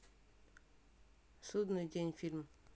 судный день фильм